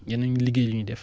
yeneen liggéey yu ñuy def